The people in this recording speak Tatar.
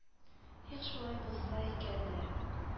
Их шулай булса икән лә